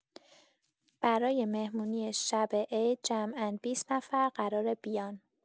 برای مهمونی شب عید جمعا ۲۰ نفر قراره بیان.